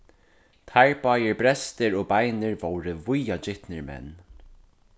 teir báðir brestir og beinir vóru víðagitnir menn